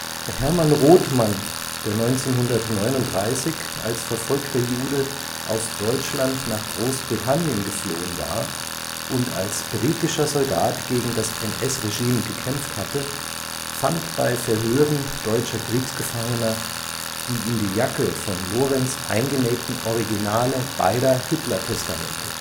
Herman Rothman, der 1939 als verfolgter Jude aus Deutschland nach Großbritannien geflohen war und als britischer Soldat gegen das NS-Regime gekämpft hatte, fand bei Verhören deutscher Kriegsgefangener die in die Jacke von Lorenz eingenähten Originale beider Hitlertestamente